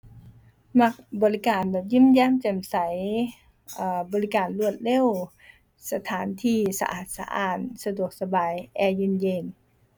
มักบริการแบบยิ้มแย้มแจ่มใส อ่า บริการรวดเร็ว สถานที่สะอาดสะอ้าน สะดวกสบาย แอร์เย็นเย็น